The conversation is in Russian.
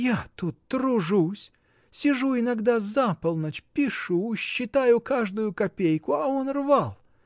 — Я тут тружусь, сижу иногда за полночь, пишу, считаю каждую копейку: а он рвал!